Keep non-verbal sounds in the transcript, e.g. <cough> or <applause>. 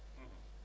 <hesitation> <hesitation>